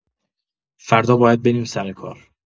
فردا باید بریم سر کار.